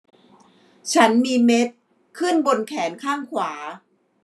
ฉันมีเม็ดขึ้นบนแขนข้างขวา